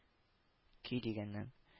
Көй дигәннән